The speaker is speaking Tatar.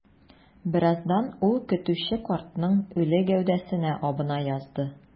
Бераздан ул көтүче картның үле гәүдәсенә абына язды.